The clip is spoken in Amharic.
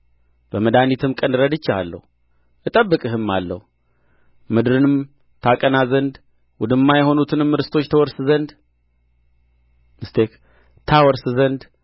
በመድኃኒትም ቀን ረድቼሃለሁ እጠብቅህማለሁ ምድርንም ታቀና ዘንድ ውድማ የሆኑትንም ርስቶች ታወርስ ዘንድ